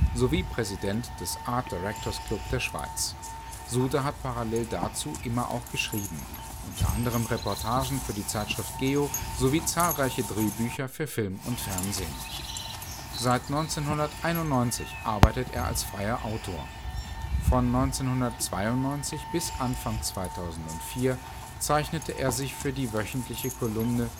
sowie Präsident des Art Directors Club der Schweiz), hat parallel dazu immer auch geschrieben, unter anderem für die Zeitschrift GEO Reportagen, sowie zahlreiche Drehbücher für Film und Fernsehen. Seit 1991 arbeitet er als freier Autor. Von 1992 bis Anfang 2004 zeichnete er sich für die wöchentliche Kolumne